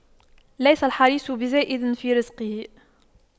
ليس الحريص بزائد في رزقه